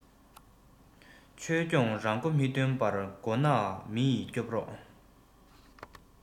ཆོས སྐྱོང རང མགོ མི ཐོན པར མགོ ནག མི ཡི སྐྱོབ རོག